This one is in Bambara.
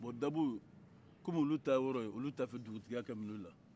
bɔn dabo kɔmi olu ta ye yɔrɔ olu t'a fɛ dugutigiya ka minɛ olu la